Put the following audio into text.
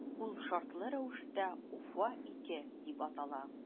Ул шартлы рәвештә “Уфа- 2” дип атала.